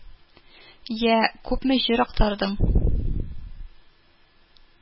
Я, күпме җир актардың